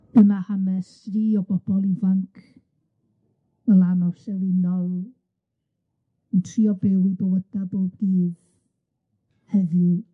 Dyma hanes lu o bobol ifanc orllewinol yn trio byw 'u bywyda bob dydd heddiw.